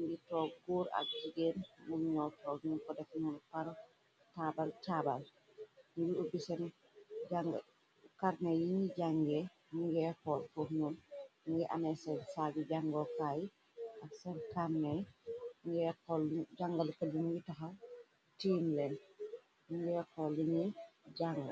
ngi toog góor ak jigéen mul ñoo toog. Nun ko def noonu partaabal caabal ngi ubbiseen karney yiñi jàngee ñingeer pol poxnum. Ngi amee ser saggi jangookaay ak ser jàngalekat liñu yi taxaw. Teem leen ngeer xol liñuy jànga.